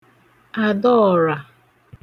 Àdaọ̀rà